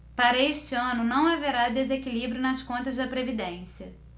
para este ano não haverá desequilíbrio nas contas da previdência